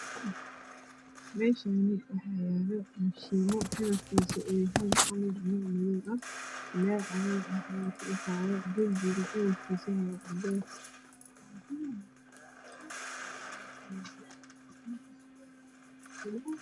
Meshani waxa uslo mashiimo kalarkis oow yahay qalin io madow ah leer cagar ah aya kaifayo darbiga kakarkis waa cades